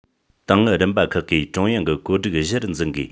ཏང ཨུ རིམ པ ཁག གིས ཀྲུང དབྱང གི བཀོད སྒྲིག གཞིར འཛིན དགོས